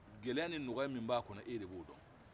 gɛlɛya ni nɔgɔya min b'a kɔnɔ e de b'o dɔn